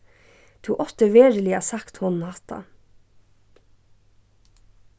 tú átti veruliga at sagt honum hatta